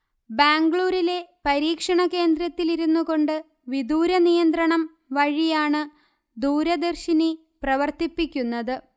ബാംഗ്ലൂരിലെ പരീക്ഷണ കേന്ദ്രത്തിലിരുന്നുകൊണ്ട് വിദൂരനിയന്ത്രണം വഴിയാണ് ദൂരദർശിനി പ്രവർത്തിപ്പിക്കുന്നത്